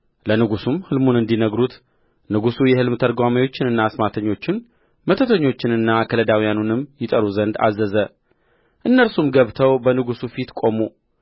ለንጉሡም ሕልሙን እንዲነግሩት ንጉሡ የሕልም ተርጓሚዎቹንና አስማተኞቹን መተተኞቹንና ከለዳውያኑንም ይጠሩ ዘንድ አዘዘ እነርሱም ገብተው በንጉሡ ፊት ቆሙ